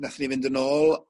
nathon ni fynd yn ôl